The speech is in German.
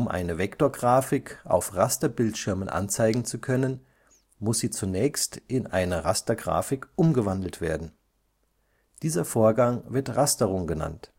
eine Vektorgrafik auf Rasterbildschirmen anzeigen zu können, muss sie zunächst in eine Rastergrafik umgewandelt werden. Dieser Vorgang wird Rasterung genannt